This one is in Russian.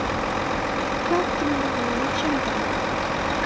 как ты мне зачем тогда